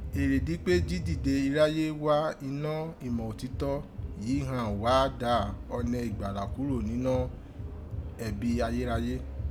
eredi pe jí dede iráyé wa inọ́ imọ̀ otítọ́, jí ghan wá dà ọnẹ ìgbàlà kuro ninọ́ ẹ̀bi ayérayé